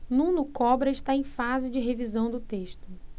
nuno cobra está em fase de revisão do texto